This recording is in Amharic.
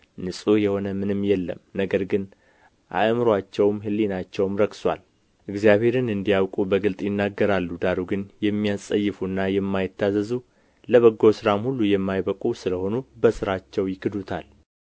ንጹሕ የሆነ ምንም የለም ነገር ግን አእምሮአቸውም ሕሊናቸውም ረክሶአል እግዚአብሔርን እንዲያውቁ በግልጥ ይናገራሉ ዳሩ ግን የሚያስጸይፉና የማይታዘዙ ለበጎ ሥራም ሁሉ የማይበቁ ስለ ሆኑ በሥራቸው ይክዱታል